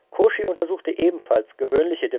Cauchy untersuchte ebenfalls gewöhnliche